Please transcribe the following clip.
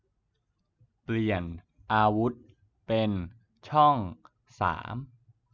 เปลี่ยนอาวุธเป็นช่องสาม